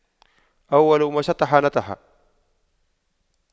أول ما شطح نطح